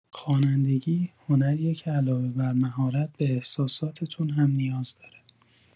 خوانندگی، هنریه که علاوه بر مهارت به احساساتتون هم نیاز داره.